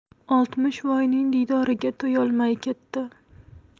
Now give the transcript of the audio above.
oltmishvoyning diydoriga to'yolmay ketdi